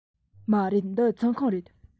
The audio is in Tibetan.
མ རེད འདི ཚོང ཁང རེད